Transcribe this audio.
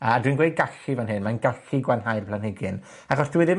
a dwi'n gweud gallu fan hyn. Mae'n gallu gwanhau'r planhigyn. Achos dyw e ddim